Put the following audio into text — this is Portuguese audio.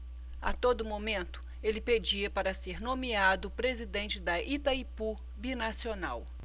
a todo momento ele pedia para ser nomeado presidente de itaipu binacional